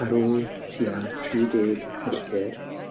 Ar ôl tua tri deg milltir